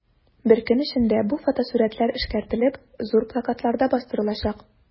Бер көн эчендә бу фотосурәтләр эшкәртелеп, зур плакатларда бастырылачак.